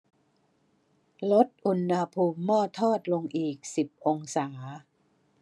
ลดอุณหภูมิหม้อทอดลงอีกสิบองศา